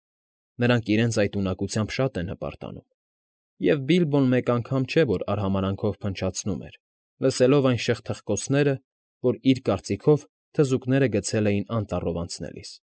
Նրանք իրենց այդ ունակությամբ շատ են հպարտանում, և Բիլբոն մեկ անգամ չէ, որ արհամարհանքով փնչացնում էր, լսելով այն «շրխկթրխկոցը», որ, իր կարծիքով, թզուկները գցել էին անտառով անցնելիս։